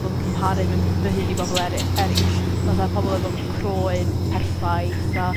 fod yn cymharu fy'm hu- fy hun i bobol ery- eryll, fatha pobol efo croen perffaith a